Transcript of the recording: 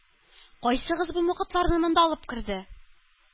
-кайсыгыз бу мокытларны монда алып керде,